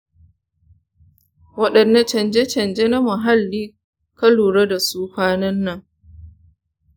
wadanne canje-canje na muhalli ka lura da su kwanan nan?